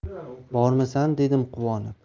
bormisan dedim quvonib